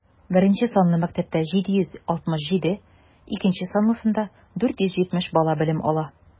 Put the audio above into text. Беренче санлы мәктәптә - 767, икенче санлысында 470 бала белем ала.